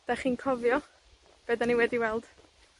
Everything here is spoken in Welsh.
'Dych chi'n cofio, be' 'dan ni wedi weld?